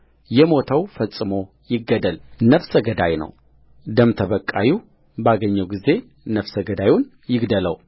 የሞተው ፈጽሞ ይገደል ነፍሰ ገዳይ ነው ደም ተበቃዩ ባገኘው ጊዜ ነፍሰ ገዳዩን ይግደለው